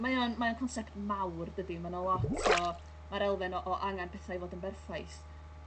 mae o'n mae o'n concept mawr dydi ma' 'na lot o mae'r elfen o o angan petha i fod yn berffaith.